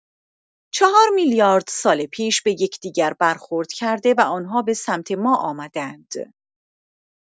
۴ میلیارد سال پیش به یکدیگر برخورد کرده و آنها به سمت ما آمده‌اند.